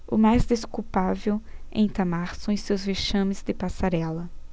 o mais desculpável em itamar são os seus vexames de passarela